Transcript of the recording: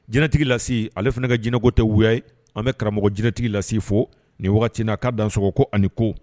Jɛnɛtigi lase ale fana ka jinɛko tɛ wyaye an bɛ karamɔgɔ jɛnɛtigi lase fo nin wagati k'a dan sogoɔgɔ ko ani ko